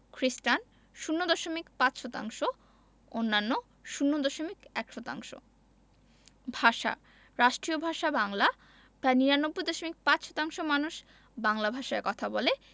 খ্রিস্টান ০দশমিক ৫ শতাংশ অন্যান্য ০দশমিক ১ শতাংশ ভাষাঃ রাষ্ট্রীয় ভাষা বাংলা প্রায় ৯৯দশমিক ৫শতাংশ মানুষ বাংলা ভাষায় কথা বলে